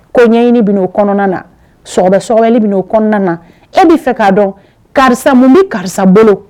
Ko ɲɛɲini ben'o kɔnɔna na sɔgɔbɛ-sɔgɔbɛli ben'o kɔɔna na e bi fɛ k'a dɔn karisa mun be karisa bolo